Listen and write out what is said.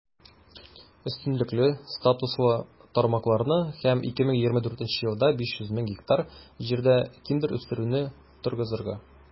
Өстенлекле статуслы тармакларны һәм 2024 елга 500 мең гектар җирдә киндер үстерүне торгызырга.